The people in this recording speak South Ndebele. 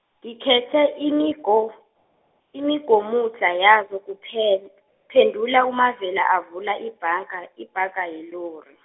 ngikhethe imigo-, imigomudlha yazo kuphe, kuphendula uMavela avula ibhanga, ibhaga yelori.